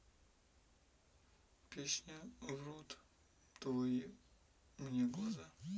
песня врут твои мне глаза